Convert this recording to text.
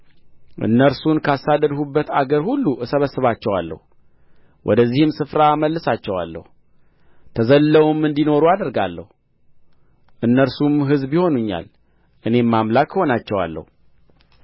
እነርሱን ካሳደድሁባት አገር ሁሉ እሰበስባቸዋለሁ ወደዚህም ስፍራ እመልሳቸዋለሁ ተዘልለውም እንዲኖሩ አደርጋለሁ እነርሱም ሕዝብ ይሆኑኛል እኔም አምላክ እሆናቸዋለሁ